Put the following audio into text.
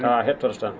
tawa a hettoto tan